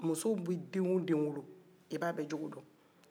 muso bɛ den o den wolo e ba bɛ jogo